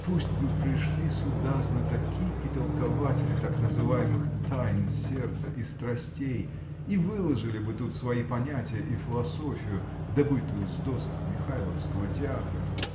Пусть бы пришли сюда знатоки и толкователи так называемых тайн сердца и страстей и выложили бы тут свои понятия и философию, добытую с досок Михайловского театра.